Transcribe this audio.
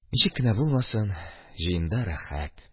Ничек кенә булмасын, җыенда рәхәт.